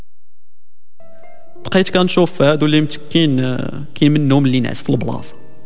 شوف هذا اللي مسكين اللي يناسبك